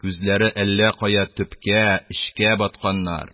Күзләре әллә кая төпкә, эчкә батканнар.